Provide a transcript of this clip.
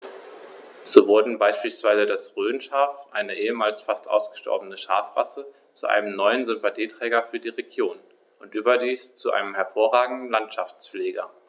So wurde beispielsweise das Rhönschaf, eine ehemals fast ausgestorbene Schafrasse, zu einem neuen Sympathieträger für die Region – und überdies zu einem hervorragenden Landschaftspfleger.